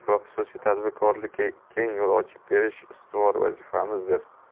tadbirkorlikka keng yo'l ochib berish ustuvor vazifamizdir